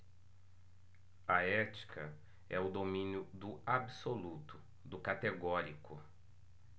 a ética é o domínio do absoluto do categórico